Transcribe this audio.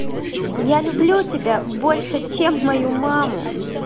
я люблю тебя больше чем мою маму